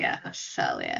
Ie allol ie.